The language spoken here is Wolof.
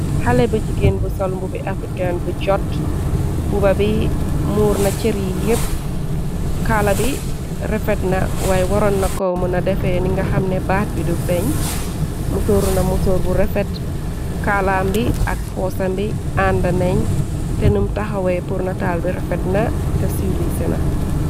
Xale bu jigeen bu sol mbu bi african bu jot. Buuba bi muur na cër yi yépp, kaala bi refet na waay waroon nako muna defee ninga xamne baat bi du feeñ, musooru na musoor bu refet. Kaalaam bi ak poosambi ànda neñ, te num taxawee purnataal bi refet na te siiwlisena.